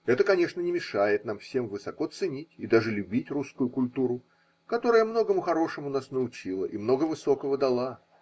Это, конечно, не мешает нам всем высоко ценить и даже любить русскую культуру, которая многому хорошему нас научила и много высокого дала.